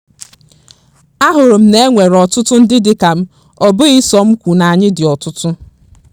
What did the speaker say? A hụrụ m na e nwere ọtụtụ ndị dịka m, ọ bụghị sọ m kwụ na anyị dị ọtụtụ.